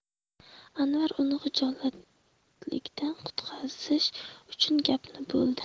anvar uni xijolatlikdan qutqazish uchun gapni bo'ldi